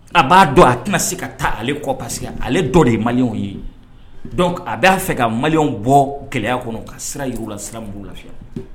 A b'a dɔn a tɛna se ka taa ale kɔ pa que ale dɔ de ye mali ye a b'a fɛ ka maliw bɔ gɛlɛya kɔnɔ ka sira la sira muru lafiya